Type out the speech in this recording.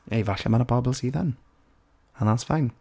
Hei, falle mae 'na pobl sydd yn, and that's fine.